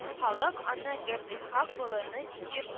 Халык аны габделхак болыны дип йөр